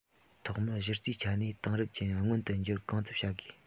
ཐོག མར གཞི རྩའི ཆ ནས དེང རབས ཅན མངོན དུ འགྱུར གང ཐུབ བྱ དགོས